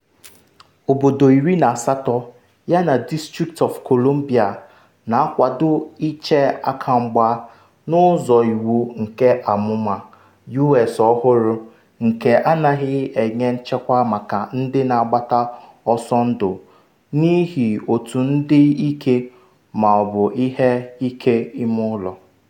Obodo iri na asatọ yana District of Colombia na-akwado ịche aka mgba n’ụzọ iwu nke amụma U.S ọhụrụ nke anaghị enye nchekwa maka ndị na-agbata ọsọ ndụ n’ihi otu ndị ike ma ọ bụ ihe ike ime ụlọ.